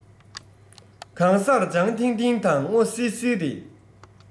གང སར ལྗང ཐིང ཐིང དང སྔོ སིལ སིལ རེད